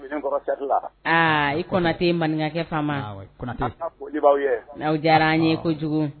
I kɔnɔtɛ maninkɛ fa n'aw diyara n ye kojugu